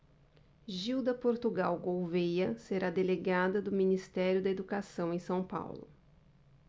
gilda portugal gouvêa será delegada do ministério da educação em são paulo